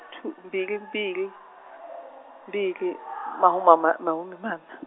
mbili, mbili, mbili, mahuma ma- mahumimaṋa.